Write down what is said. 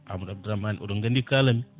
Amadou Abdrahmany oɗon gandi ko kalanmi